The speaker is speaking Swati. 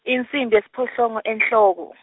insimbi yesiphohlongo enhloko.